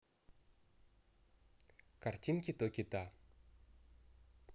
картинки то кита